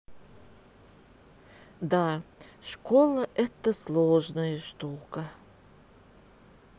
да школа это сложная штука